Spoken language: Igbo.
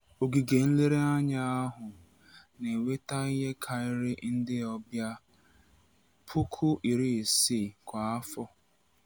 Ogige nlereanya ahụ na-enweta ihe karịrị ndị ọbịa 16,000 kwa afọ.